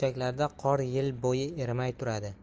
burchaklarda qor yil bo'yi erimay turadi